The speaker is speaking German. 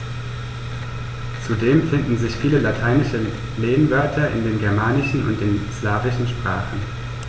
Zudem finden sich viele lateinische Lehnwörter in den germanischen und den slawischen Sprachen.